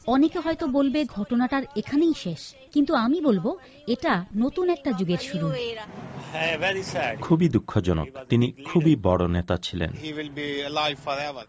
অনেকে হয়তো বলবে ঘটনাটার এখানেই শেষ কিন্তু আমি বলবো এটা নতুন একটা যুগের শুরু ভেরি স্যাড খুবই দুঃখজনক তিনি খুবই বড় নেতা ছিলেন he will be alive for ever